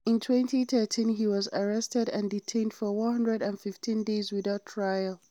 In 2013, he was arrested and detained for 115 days without trial.